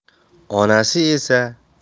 onasi esa